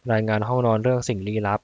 รายงานห้องนอนเรื่องสิ่งลี้ลับ